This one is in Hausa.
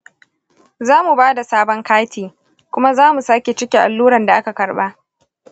za mu bada sabon kati, kuma za mu sake cike alluran da aka karɓa.